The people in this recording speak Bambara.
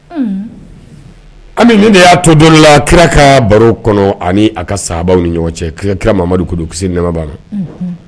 Unnn Ami nin de ya to don dɔ la kira kaa baro kɔnɔ ani a ka sahabaw ni ɲɔgɔn cɛ kira kiramamadu kodon kisi ni nɛma baa ma unhun